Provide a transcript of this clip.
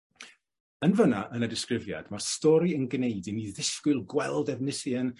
Yn fyna yn y disgrifiad ma'r stori yn gneud i mi ddisgwyl gweld Efnisien